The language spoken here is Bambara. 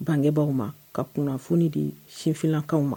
Bangebaaw ma. Ka kunnafoni di sifinlakaw ma.